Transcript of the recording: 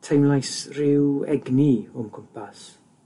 Teimlais rhyw egni o'n cwmpas.